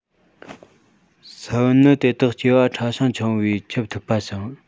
ས བོན ནི དེ དག སྐྱེས པ ཕྲ ཞིང ཆུང བས ཁྱབ ཐུབ པ བྱུང